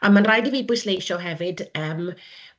A ma'n raid i fi bwysleisio hefyd, yym...